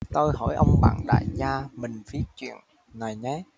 tôi hỏi ông bạn đại gia mình viết chuyện này nhé